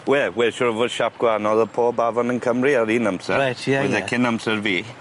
We- wel siŵr o fod siâp gwaanol ar pob afon yn Cymru ar un amser. Reit ie ie. wedd e cyn amser fi.